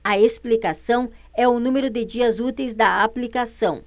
a explicação é o número de dias úteis da aplicação